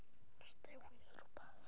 Jyst dewis rywbeth.